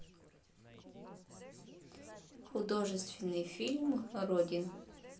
художественный фильм родин